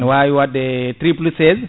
na wawi wadde triple 16